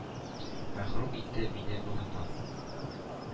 Мәхрүм итте мине нурыннан.